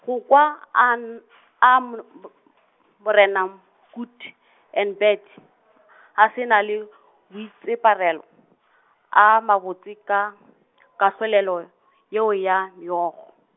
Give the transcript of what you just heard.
go kwa a n- , a mono- b- , morena Good 'n bad , a se na le, boitseparelo, a mabotse ka, kahlolelo yeo ya, Meokgo.